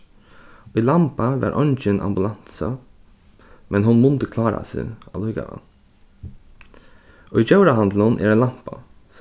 í lamba var eingin ambulansa men hon mundi klára seg allíkavæl í djórahandlinum er ein lampa